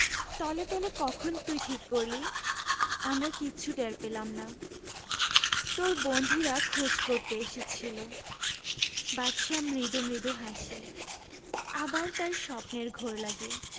তলে তলে কখন তুই ঠিক করলি আমরা কিচ্ছু টের পেলাম না তোর বন্ধুরা খোঁজ করতে এসেছিলো বাদশা মৃদু মৃদু হাসে আবার তার স্বপ্নের ঘোর লাগে